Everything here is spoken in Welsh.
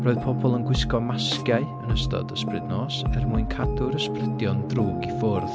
Roedd pobl yn gwisgo masgiau yn ystod ysbryd nos er mwyn cadw'r ysbrydion drwg i ffwrdd.